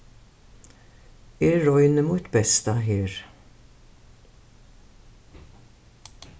eg royni mítt besta her